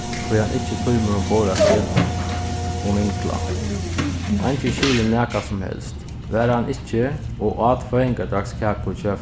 tí hann ikki tímir umborð at eta og mingla eingin skilir nakað sum helst var hann ikki og át føðingardagskaku hjá